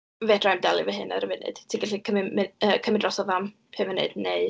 Fedra i'm delio efo hyn ar y funud. Ti'n gallu cymryd my-, yy, cymryd dros fewn pum munud neu...